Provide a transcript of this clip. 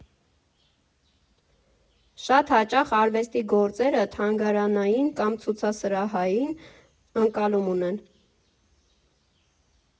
Շատ հաճախ արվեստի գործերը թանգարանային կամ ցուցասրահային ընկալում ունեն։